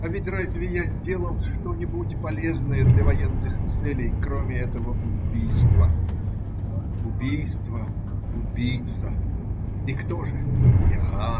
А ведь разве я сделал что-нибудь, полезное для военных целей, кроме этого убийства? Убийство, убийца. И кто же? Я!